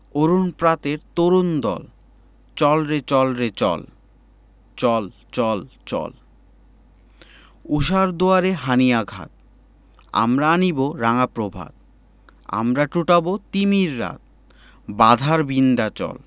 অরুণ প্রাতের তরুণ দল চল রে চল রে চল চল চল চল ঊষার দুয়ারে হানি' আঘাত আমরা আনিব রাঙা প্রভাত আমরা টুটাব তিমির রাত বাধার বিন্ধ্যাচল